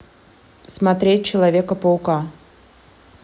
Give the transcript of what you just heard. смотреть человека паука